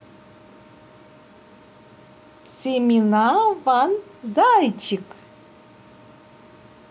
семена ван зайчик